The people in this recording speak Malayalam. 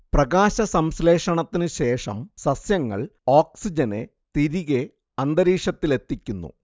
പ്രകാശ സംശ്ലേഷണത്തിനു ശേഷം സസ്യങ്ങൾ ഓക്സിജനെ തിരികെ അന്തരീക്ഷത്തിലെത്തിക്കുന്നു